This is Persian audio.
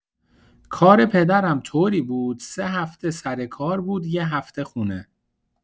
کار پدرم طوری بود ۳ هفته سرکار بود ۱هفته خونه.